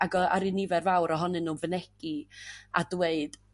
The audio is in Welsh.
ag 'aru nifer fawr ohonyn n'w fynegi a dweud